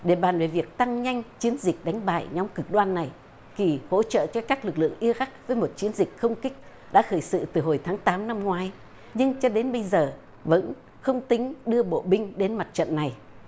để bàn về việc tăng nhanh chiến dịch đánh bại nhóm cực đoan này kỷ hỗ trợ cho các lực lượng i rắc với một chiến dịch không kích đã khởi sự từ hồi tháng tám năm ngoái nhưng cho đến bây giờ vẫn không tính đưa bộ binh đến mặt trận này